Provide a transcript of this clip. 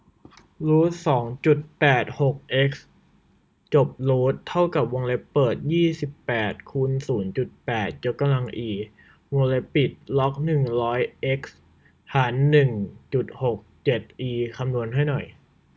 รูทสองจุดแปดหกเอ็กซ์จบรูทเท่ากับวงเล็บเปิดยี่สิบแปดคูณศูนย์จุดแปดยกกำลังอีวงเล็บปิดล็อกหนึ่งร้อยเอ็กซ์ฐานหนึ่งจุดหกเจ็ดอีคำนวณให้หน่อย